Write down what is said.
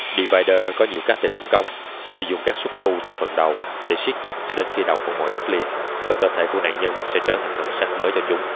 divider có nhiều cách để tấn công như dùng cái xúc tu từ phần đầu để siết chặt cho đến khi đầu con mồi đứt lìa và cơ thể của nạn nhân sẽ trở thành thân xác mới cho chúng